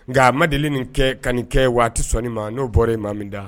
Nka ma deli nin kɛ kan kɛ waati sɔnni ma n'o bɔra ye ma min da